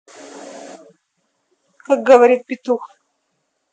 как говорит петух